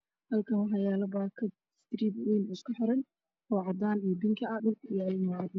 Halkan waxyalo bakad oo cadan io binki ah dhulka waa cadan